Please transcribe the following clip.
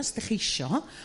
Os dy ch' eisio.